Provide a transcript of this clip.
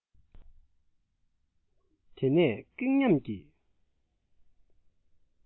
དེ ནས སྐྱེངས ཉམས ཀྱི